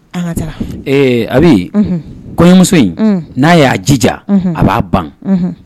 A kɔɲɔmuso in n'a y'a jija a b'a ban